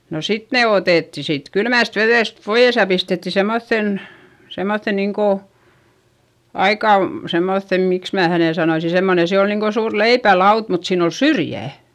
no sitten ne otettiin siitä kylmästä vedestä pois ja pistettiin semmoiseen semmoiseen niin kuin aika semmoiseen miksi minä hänen sanoisin semmoinen se on niin kuin suuri leipälauta mutta siinä on syrjä